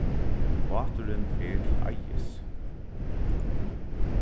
báturin fer til eiðis